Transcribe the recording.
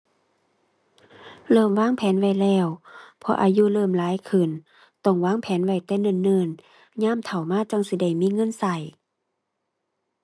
เริ่มวางแผนไว้แล้ว เพราะอายุเริ่มหลายขึ้น ต้องวางแผนไว้แต่เนิ่นเนิ่น ยามเฒ่ามาจั่งสิได้มีเงินใช้